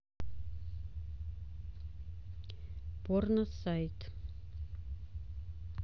порно сайт